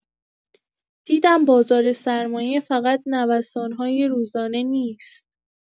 دیدم بازار سرمایه فقط نوسان‌های روزانه نیست.